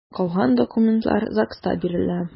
Калган документлар ЗАГСта бирелә.